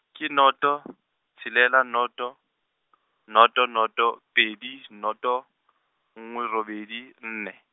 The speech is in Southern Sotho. ke noto , tshelela noto , noto noto pedi, noto, nngwe robedi nne.